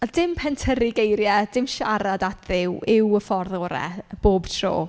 Dim pentyrru geiriau, dim siarad at Dduw yw y ffordd orau bob tro.